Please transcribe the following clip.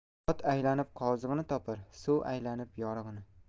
ot aylanib qozig'ini topar suv aylanib yorig'ini